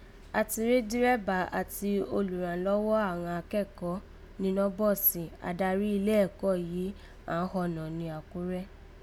A ti rí dírẹ́bà àti olùrànlọ́wọ́ àghan akẹ́kọ̀ọ́ ninọ́ bọ́ọ̀sì. Adarí ile ẹ̀kọ́ yìí àán họ nọ̀ ni Àkúrẹ́.